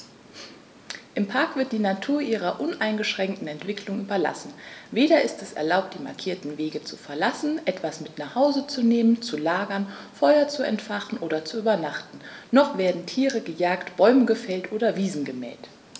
Im Park wird die Natur ihrer uneingeschränkten Entwicklung überlassen; weder ist es erlaubt, die markierten Wege zu verlassen, etwas mit nach Hause zu nehmen, zu lagern, Feuer zu entfachen und zu übernachten, noch werden Tiere gejagt, Bäume gefällt oder Wiesen gemäht.